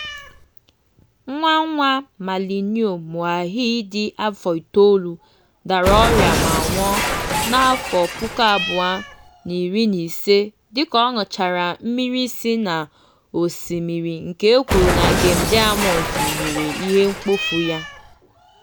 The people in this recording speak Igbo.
Nwa nwa Malineo Moahi dị afọ itoolu dara ọrịa ma nwụọ na 2015 dịka ọ ṅụchara mmiri si n'osimiri nke e kwuru na Gem Diamonds wụnyere ihe mkpofu ya.